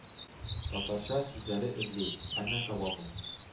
Татарча сүзләр эзли, әмма табалмый,